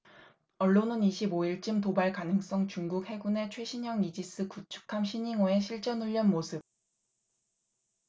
언론은 이십 오 일쯤 도발 가능성중국 해군의 최신형 이지스 구축함 시닝호의 실전훈련 모습